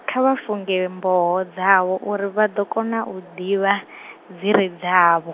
kha vha funge mboho dzavho uri vha do kona u ḓivha, dzire dzavho.